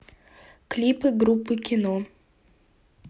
клипы группы кино